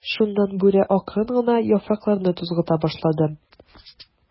Шуннан Бүре акрын гына яфракларны тузгыта башлады.